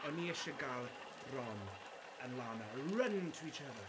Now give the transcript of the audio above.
O'n i isie gael Ron and Lana run to each other...